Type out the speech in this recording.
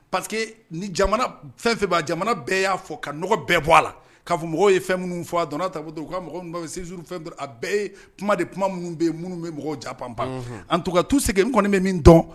Pa que ni jamana fɛn fɛ jamana bɛɛ y'a fɔ ka bɛɛ bɔ a la kaa fɔ mɔgɔw ye fɛn minnu fɔ a dɔn ta don u ka suru fɛn kuma de kuma minnu bɛ minnu bɛ mɔgɔ japp a tun tu segin kɔni bɛ min dɔn